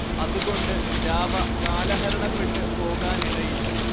അത്കൊണ്ട് ജാവ കാലഹരണപ്പെട്ട് പോകാനിടയില്ല